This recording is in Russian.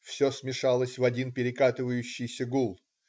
Все смешалось в один перекатывающийся гул.